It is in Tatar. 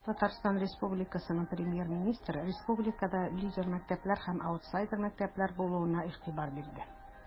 ТР Премьер-министры республикада лидер мәктәпләр һәм аутсайдер мәктәпләр булуына игътибар бирде.